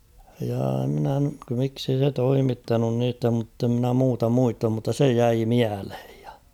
jaa minä miksi ei se toimittanut niitä mutta en minä muuta muista mutta se jäi mieleen ja